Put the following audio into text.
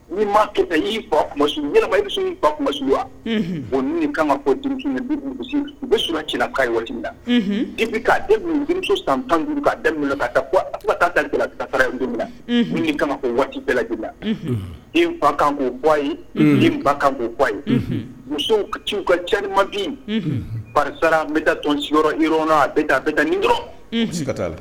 Ni maa kɛ'i fa kumasu yɛlɛma i sun ba kuma su o ni kan fɔ u bɛ sun cɛlala kari waati la i bɛ' de duurusu san tan duuru'a da min dara la min ka fɔ waati bɛɛla ju la e fa kankoye ba kan ko bɔye musow ci ka calima bin pasara bɛ taa tɔn siyɔrɔ bɛ taa bɛ nin dɔrɔn ka la